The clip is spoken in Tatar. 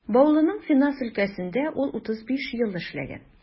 Баулының финанс өлкәсендә ул 35 ел эшләгән.